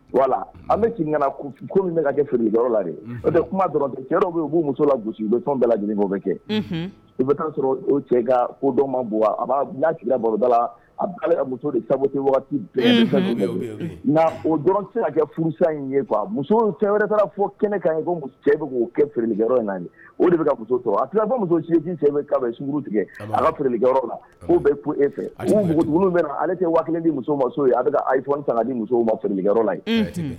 Wala an bɛ ko min kɛri la kuma dɔrɔn cɛ bɛ u b'u muso gosi u bɛ fɛn bɛɛ lajɛlen bɛ kɛ i bɛ taa sɔrɔ cɛ ka kodɔn ma a'ada la a ka muso de sabu bɛɛ nka o dɔrɔn ka kɛ furusa in muso fɛn wɛrɛ taara fɔ kɛnɛ ka cɛ bɛ k'o kɛ feereri in o de bɛ ka to a kibamuso muso si cɛuru tigɛ a kari la bɛ e fɛ ale tɛ waati ni muso ye a a ta di musow ma fri la ye